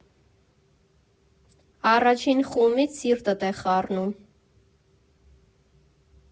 Առաջին խումից սիրտդ է խառնում։